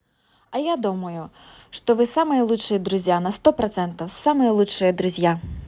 а я думаю что вы самые лучшие друзья на сто процентов самые лучшие друзья